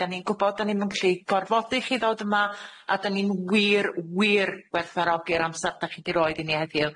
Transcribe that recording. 'Dan ni'n gwbod 'dan ni'm yn gallu gorfodi chi ddod yma, a 'dan ni'n wir wir werthfawrogi'r amser dach chi 'di roid i ni heddiw.